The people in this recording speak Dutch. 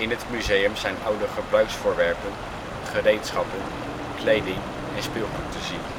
het museum zijn oude gebruiksvoorwerpen, gereedschappen, kleding en speelgoed te zien